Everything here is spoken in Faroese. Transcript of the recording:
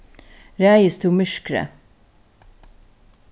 ræðist tú myrkrið